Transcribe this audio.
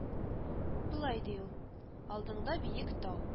Болай ди ул: Алдыңда биек тау